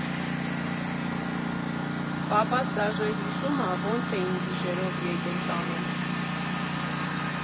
Պապաս դաժե հիշում ա՝ ոնց էին գիշերով եկել տանում։